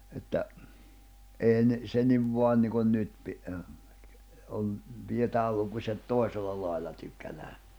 että ei ne se niin vain niin kuin nyt - on pidetään lukuset toisella lailla tykkänään